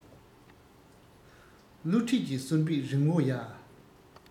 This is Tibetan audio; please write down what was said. བསླུ བྲིད ཀྱི གསོར འབིག རིང བོ ཡ